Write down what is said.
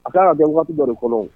A ka kan ka kɛ waati dɔ de kɔnɔ o.